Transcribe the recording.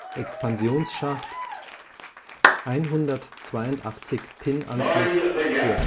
Expansions-Schacht: 182-Pin-Anschluss für